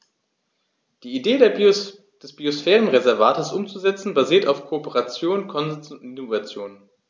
Die Idee des Biosphärenreservates umzusetzen, basiert auf Kooperation, Konsens und Innovation.